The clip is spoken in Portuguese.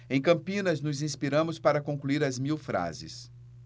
em campinas nos inspiramos para concluir as mil frases